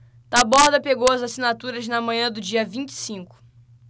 taborda pegou as assinaturas na manhã do dia vinte e cinco